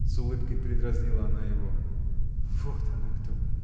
— с улыбкой передразнила она его. — Вот она кто!